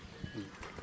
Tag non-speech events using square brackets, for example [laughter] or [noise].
[hesitation]